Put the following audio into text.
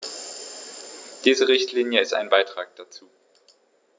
Diese Richtlinie ist ein Beitrag dazu.